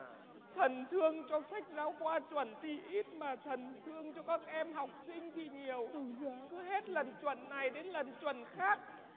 thần thương cho sách giáo khoa chuẩn thì ít mà thần thương cho các em học sinh thì nhiều cứ hết lần chuẩn này đến lần chuẩn khác